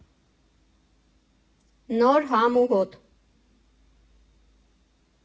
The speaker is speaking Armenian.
Նոր համ ու հոտ։